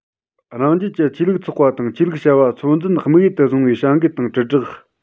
རང རྒྱལ གྱི ཆོས ལུགས ཚོགས པ དང ཆོས ལུགས བྱ བ ཚོད འཛིན དམིགས ཡུལ དུ བཟུང བའི བྱ འགུལ དང དྲིལ བསྒྲགས